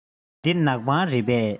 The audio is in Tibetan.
འདི ནག པང རེད པས